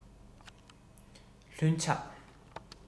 ལྷུན ཆགས